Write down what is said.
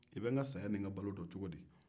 i be n ka saya ni n ka balo don cogo di